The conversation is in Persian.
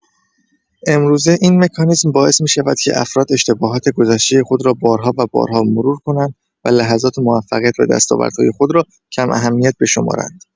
امروزه، این مکانیزم باعث می‌شود که افراد اشتباهات گذشتۀ خود را بارها و بارها مرور کنند و لحظات موفقیت و دستاوردهای خود را کم‌اهمیت بشمارند.